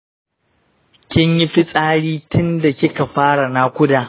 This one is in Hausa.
kin yi fitsari tinda kika fara naƙuda?